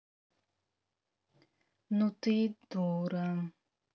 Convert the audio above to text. ну ты и дура